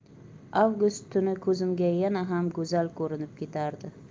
avgust tuni ko'zimga yana ham go'zal ko'rinib ketardi